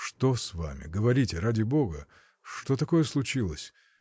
— Что с вами, говорите, ради Бога, что такое случилось?